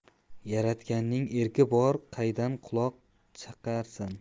yaratganning erki bor qaydan buloq chiqarsa